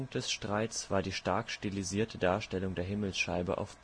des Streits war die stark stilisierte Darstellung der Himmelsscheibe auf